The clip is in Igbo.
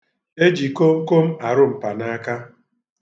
E ji komkom arụ mpanaaka.